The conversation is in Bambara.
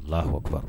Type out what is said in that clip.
Hɔba